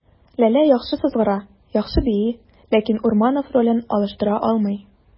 Ләлә яхшы сызгыра, яхшы бии, ләкин Урманов ролен алыштыра алмый.